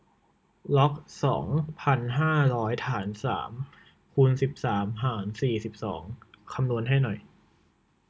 ล็อกสองพันห้าร้อยฐานสามคูณสิบสามหารสี่สิบสองคำนวณให้หน่อย